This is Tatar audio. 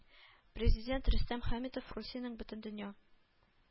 Президент Рөстәм Хәмитов Русиянең Бөтендөнья